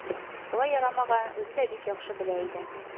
Болай ярамаганын үзе дә бик яхшы белә иде